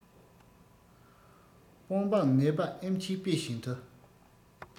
དཔོན འབངས ནད པ ཨེམ ཆིའི དཔེ བཞིན དུ